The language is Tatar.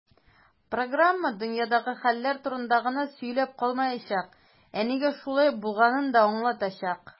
Программа "дөньядагы хәлләр турында гына сөйләп калмаячак, ә нигә шулай булганын да аңлатачак".